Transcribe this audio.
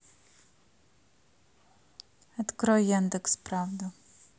открой яндекс правду